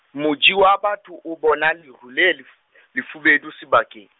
Moji wa batho a bona leru le lef- , lefubedu sebakeng.